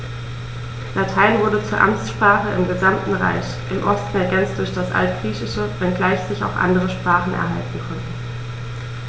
Latein wurde zur Amtssprache im gesamten Reich (im Osten ergänzt durch das Altgriechische), wenngleich sich auch andere Sprachen halten konnten.